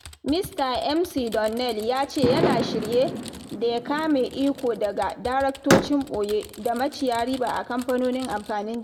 Mista McDonnell ya ce yana shirye da ya kame iko daga 'daraktocin ɓoye' da 'maciya riba' a kamfanonin amfanin jama'a.